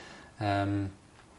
Yym.